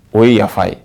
O ye yafa ye